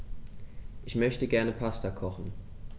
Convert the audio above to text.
Ich möchte gerne Pasta kochen.